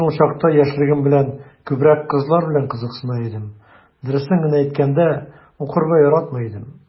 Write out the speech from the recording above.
Мин ул чакта, яшьлегем белән, күбрәк кызлар белән кызыксына идем, дөресен генә әйткәндә, укырга яратмый идем...